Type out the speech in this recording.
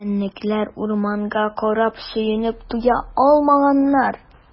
Җәнлекләр урманга карап сөенеп туя алмаганнар.